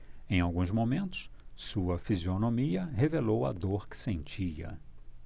em alguns momentos sua fisionomia revelou a dor que sentia